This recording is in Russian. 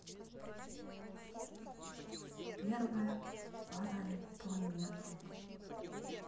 первая паралипоменон